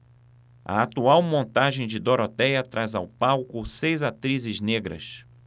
a atual montagem de dorotéia traz ao palco seis atrizes negras